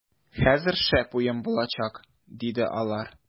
- хәзер шәп уен булачак, - диде алар.